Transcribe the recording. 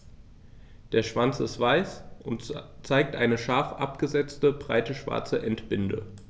Der Schwanz ist weiß und zeigt eine scharf abgesetzte, breite schwarze Endbinde.